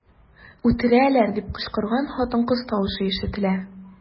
"үтерәләр” дип кычкырган хатын-кыз тавышы ишетелә.